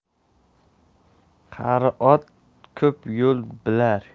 qari ot ko'p yo'l bilar